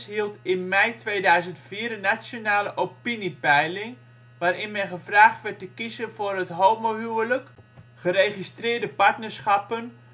hield in mei 2004 een nationale opiniepeiling, waarin men gevraagd werd te kiezen voor het homohuwelijk, geregistreerde partnerschappen